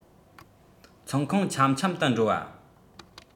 ཚོང ཁང འཆམ འཆམ དུ འགྲོ བ